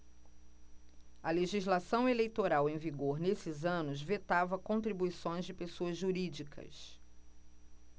a legislação eleitoral em vigor nesses anos vetava contribuições de pessoas jurídicas